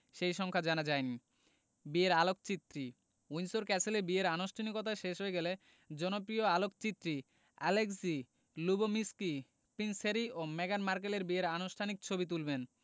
সেই সংখ্যা জানা যায়নি বিয়ের আলোকচিত্রী উইন্ডসর ক্যাসেলে বিয়ের আনুষ্ঠানিকতা শেষ হয়ে গেলে জনপ্রিয় আলোকচিত্রী অ্যালেক্সি লুবোমির্সকি প্রিন্স হ্যারি ও মেগান মার্কেলের বিয়ের আনুষ্ঠানিক ছবি তুলবেন